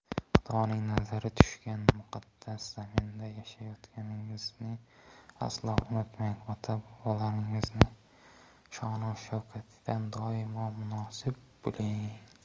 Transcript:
xudoning nazari tushgan muqaddas zaminda yashayotganingizni aslo unutmang ota bobolarimizning sha'nu shavkatiga doimo munosib bo'ling